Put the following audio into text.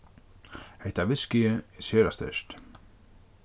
hetta whiskyið er sera sterkt